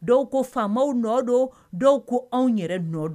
Dɔw ko faama nɔ don dɔw ko anw yɛrɛ nɔdɔn